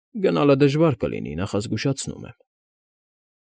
Գնալը դժվար կլինի, նախազգուշացնում եմ։